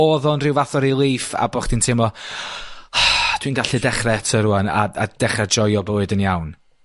odd o'n rhyw fath o riliff, a bo' chdi'n teimlo dwi'n gallu dechre eto rŵan? A a dechra joio bywyd yn iawn?